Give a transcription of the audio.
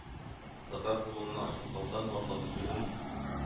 Татар булуымны ачыклаудан башлады сүзен